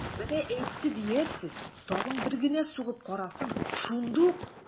Менә әйтте диярсез, тагын бер генә сугып карасын, шундук...